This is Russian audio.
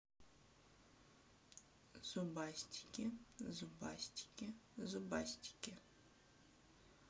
зубастики зубастики зубастики